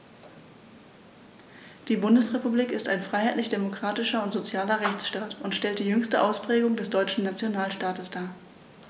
Die Bundesrepublik ist ein freiheitlich-demokratischer und sozialer Rechtsstaat und stellt die jüngste Ausprägung des deutschen Nationalstaates dar.